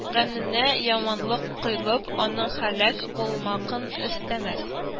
Гәненә яманлык кыйлып, аның һәлак булмакын эстәмәс